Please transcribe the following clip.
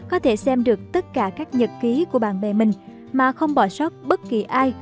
có thể xem được tất cả các nhật ký của bạn bè mình mà không bỏ sót bất kỳ ai